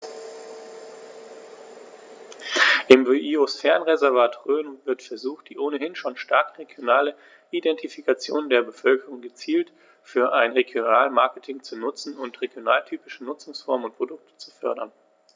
Im Biosphärenreservat Rhön wird versucht, die ohnehin schon starke regionale Identifikation der Bevölkerung gezielt für ein Regionalmarketing zu nutzen und regionaltypische Nutzungsformen und Produkte zu fördern.